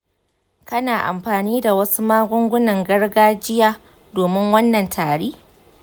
kana amfani da wasu magungunan gargajiya domin wannan tari?